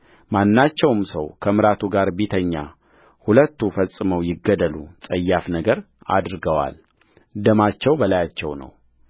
ማናቸውም ሰው ከምራቱ ጋር ቢተኛ ሁለቱ ፈጽመው ይገደሉ ጸያፍ ነገር አድርገዋል ደማቸውም በላያቸው ነው